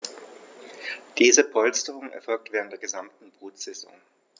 Diese Polsterung erfolgt während der gesamten Brutsaison.